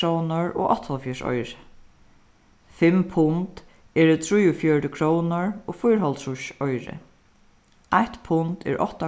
krónur og áttaoghálvfjerðs oyru fimm pund eru trýogfjøruti krónur og fýraoghálvtrýss oyru eitt pund er átta